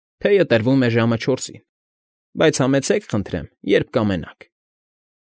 Թեյը տրվում է ժամը չորսին, բայց համեցեք, խնդրեմ, երբ կամենաք։